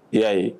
I y'a ye